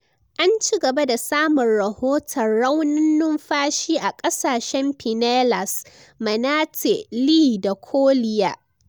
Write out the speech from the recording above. An cigaba da samun rahoton Raunin numfashi a kasashen Pinellas, Manatee, Lee, da Collier.